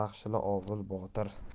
baxshili ovul botir